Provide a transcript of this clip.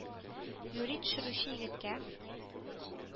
Юри төшерүче егеткә,